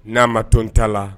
N'a ma tɔnon t ta la